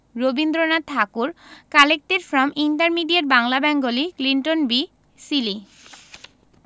Rabindranath Thakur collected from intermediate Bangla Bengali Clinton B Seely